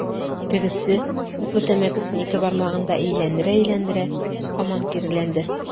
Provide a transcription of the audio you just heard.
Тегесе, утлы тәмәкесен ике бармагында әйләндерә-әйләндерә, һаман киреләнде.